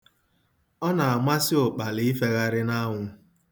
Ọ na-amasị ụkpala ifegharị n'anwụ.